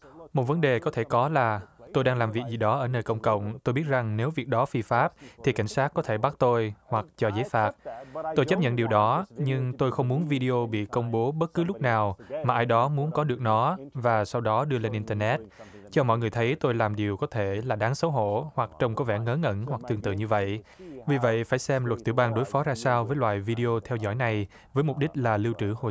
một vấn đề có thể có là tôi đang làm việc gì đó ở nơi công cộng tôi biết rằng nếu việc đó phi pháp thì cảnh sát có thể bắt tôi hoặc chờ giải phạt tôi chấp nhận điều đó nhưng tôi không muốn vi đê ô bị công bố bất cứ lúc nào mà ai đó muốn có được nó và sau đó đưa lên in tơ nét cho mọi người thấy tôi làm điều có thể là đáng xấu hổ hoặc trông có vẻ ngớ ngẩn hoặc tương tự như vậy vì vậy phải xem luật tiểu bang đối phó ra sao với lọai vi đê ô theo dõi này với mục đích là lưu trữ hồ